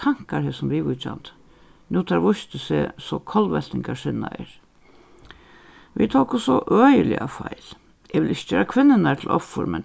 tankar hesum viðvíkjandi nú teir vístu seg so kollveltingarsinnaðir vit tóku so øgiliga feil eg vil ikki gera kvinnurnar til offur men